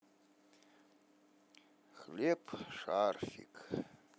хлеб шарфик